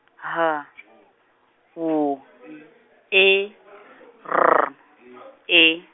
H W E R E.